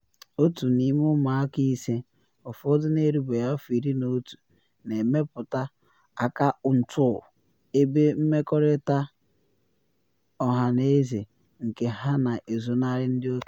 Otu n’ime ụmụaka ise - ụfọdụ na erubeghị afọ 11 - na emepụta akaụntụ ebe mmerịkọta ọhaneze nke ha na ezonarị ndị okenye.